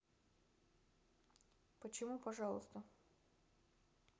почему пожалуйста